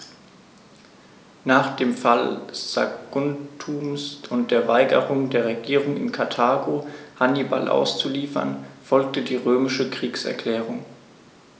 Nach dem Fall Saguntums und der Weigerung der Regierung in Karthago, Hannibal auszuliefern, folgte die römische Kriegserklärung.